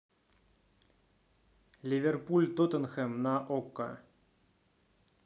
ливерпуль тоттенхэм на окко